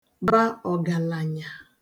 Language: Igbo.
ba ọ̀gàlànyà